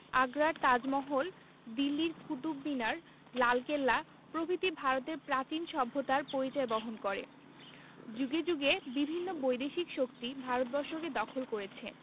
আগ্রার তাজমহল দিল্লির কুতুব মিনার লালকেল্লা প্রভৃতি ভারতের প্রাচীন সভ্যতার পরিচয় বহন করে যুগে যুগে বিভিন্ন বৈদেশিক শক্তি ভারতবর্ষকে দখল করেছে